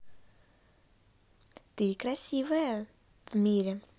ты красивая в мире